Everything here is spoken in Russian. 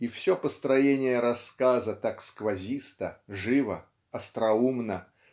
и все построение рассказа так сквозисто живо остроумно